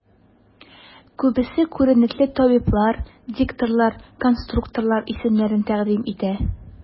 Күбесе күренекле табиблар, дикторлар, конструкторлар исемнәрен тәкъдим итә.